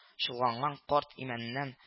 Чолганган карт имәннән